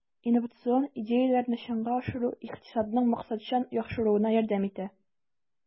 Инновацион идеяләрне чынга ашыру икътисадның максатчан яхшыруына ярдәм итә.